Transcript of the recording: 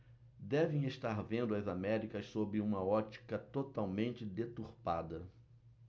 devem estar vendo as américas sob uma ótica totalmente deturpada